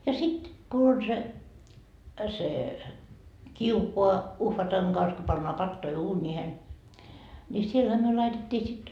ja sitten kun on se se kiuas uhvatan kanssa kun pannaan patoja uuniin niin siellähän me laitettiin sitten